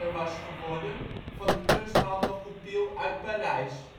was geworden van de kunsthandel Goupil uit Parijs